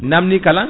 namdi kala